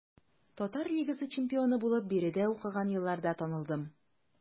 Татар лигасы чемпионы булып биредә укыган елларда танылдым.